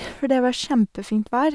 For det var kjempefint vær.